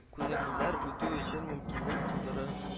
Күнегүләр үтү өчен мөмкинлек тудырыл